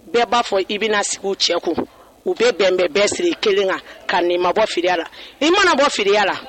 Bɛɛ b'a fɔ i bɛna sigi cɛku u bɛ bɛnbɛn bɛɛ siri i kelen kan ka ni i ma bɔ feere la i mana bɔ feere la